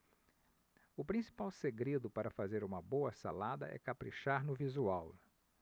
o principal segredo para fazer uma boa salada é caprichar no visual